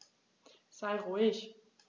Sei ruhig.